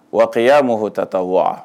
Wa ka y'a ma fɔtata wa